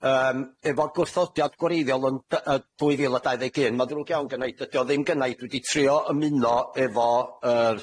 yym efo'r gwrthodiad gwreiddiol yn dy- yy dwy fil a dau ddeg un. Ma'n ddrwg iawn gynna i, dydi o ddim gynna i, dwi 'di trio ymuno efo yr